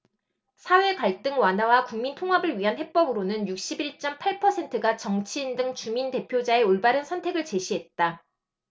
사회갈등 완화와 국민통합을 위한 해법으로는 육십 일 쩜 팔 퍼센트가 정치인 등 주민대표자의 올바른 선택을 제시했다